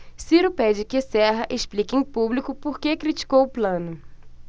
ciro pede que serra explique em público por que criticou plano